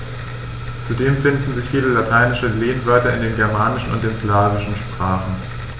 Zudem finden sich viele lateinische Lehnwörter in den germanischen und den slawischen Sprachen.